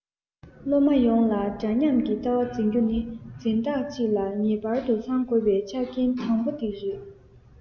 སློབ མ ཡོངས ལ འདྲ མཉམ གྱི ལྟ བ འཛིན རྒྱུ ནི འཛིན བདག ཅིག ལ ངེས པར དུ ཚང དགོས པའི ཆ རྐྱེན དང པོ དེ རེད